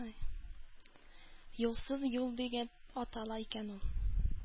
«юлсыз юл» дип атала икән ул.